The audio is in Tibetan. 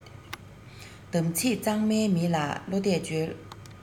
དམ ཚིག གཙང མའི མི ལ བློ གཏད བཅོལ